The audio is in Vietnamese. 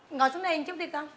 ngồi xuống đây chút đi con